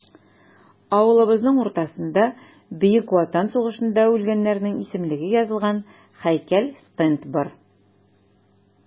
Авылыбызның уртасында Бөек Ватан сугышында үлгәннәрнең исемлеге язылган һәйкәл-стенд бар.